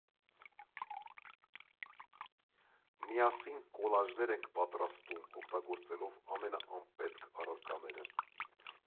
Միասին կոլաժներ ենք պատրաստում՝ օգտագործելով ամենաանպետք առարկաները։